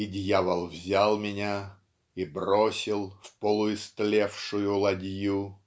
И Дьявол взял меня и бросил В полуистлевшую ладью.